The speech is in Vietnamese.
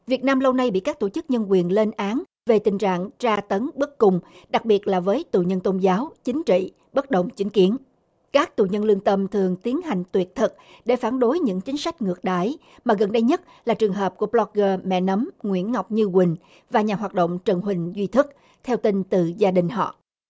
việt nam lâu nay bị các tổ chức nhân quyền lên án về tình trạng tra tấn bức cung đặc biệt là với tù nhân tôn giáo chính trị bất đồng chính kiến các tù nhân lương tâm thường tiến hành tuyệt thực để phản đối những chính sách ngược đãi mà gần đây nhất là trường hợp của bờ lóc gơ mẹ nấm nguyễn ngọc như quỳnh và nhà hoạt động trần huỳnh duy thức theo tình tự gia đình họ